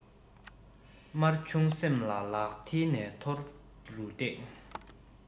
དམར ཆུང སེམས པ ལག མཐིལ ནས མཐོ རུ བཏེགས